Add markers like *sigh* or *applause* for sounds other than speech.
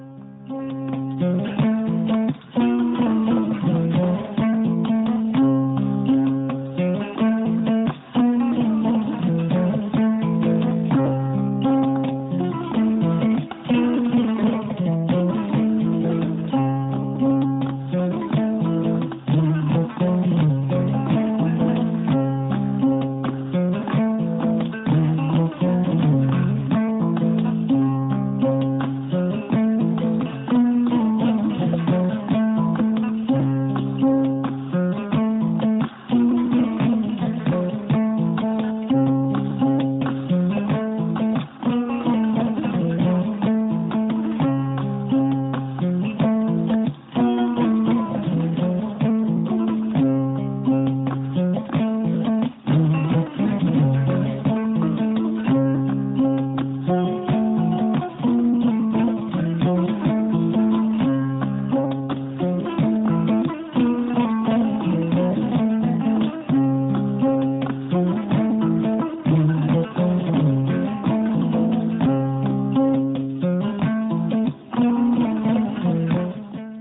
*music*